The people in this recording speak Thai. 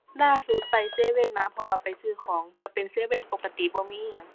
ล่าสุดไปเซเว่นมา เพราะว่าไปซื้อของ ก็เป็นเซเว่นปกติบ่มีอิหยัง